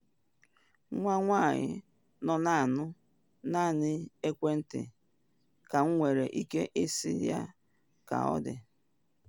Nwa m nwanyị nọ na anwụ, naanị n’ekwentị ka m nwere ike isi ya ka ọ dị